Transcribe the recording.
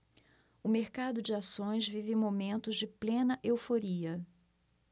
o mercado de ações vive momentos de plena euforia